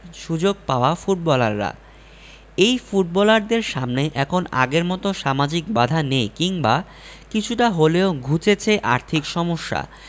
সুযোগ পাওয়া ফুটবলাররা এই ফুটবলারদের সামনে এখন আগের মতো সামাজিক বাধা নেই কিংবা কিছুটা হলেও ঘুচেছে আর্থিক সমস্যা